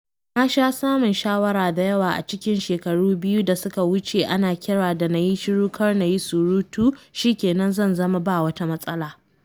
Na sha samun sharawa da yawa a cikin shekaru biyu da suka wuce ana kira da na yi shiru, kar na yi surutu shi ke nan zan zama “ba wata matsala.”